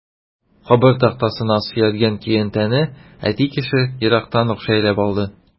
Кабер тактасына сөялгән көянтәне әти кеше ерактан ук шәйләп алды.